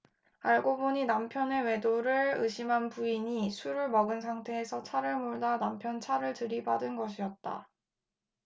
알고 보니 남편의 외도를 의심한 부인이 술을 먹은 상태에서 차를 몰다 남편 차를 들이받은 것이었다